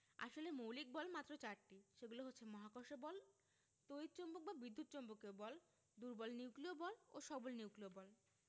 আসলে মৌলিক বল মাত্র চারটি সেগুলো হচ্ছে মহাকর্ষ বল তড়িৎ চৌম্বক বা বিদ্যুৎ চৌম্বকীয় বল দুর্বল নিউক্লিয় বল ও সবল নিউক্লিয় বল